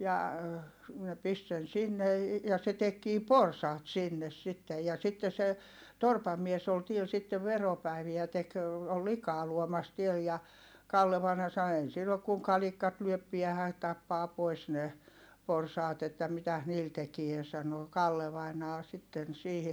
ja ne pisti sen sinne ja se tekikin porsaat sinne sitten ja sitten se torpan mies oli täällä sitten veropäiviä teki oli likaa luomassa täällä ja Kalle vainaja sanoi ei sillä ole kuin kalikat lyö päähän tappaa pois ne porsaat että mitäs niillä tekee sanoi Kalle vainaja sitten siihen